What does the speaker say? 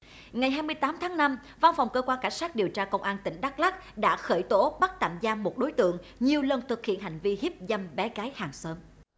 ngày hai mươi tám tháng năm văn phòng cơ quan cảnh sát điều tra công an tỉnh đắc lắc đã khởi tố bắt tạm giam một đối tượng nhiều lần thực hiện hành vi hiếp dâm bé gái hàng xóm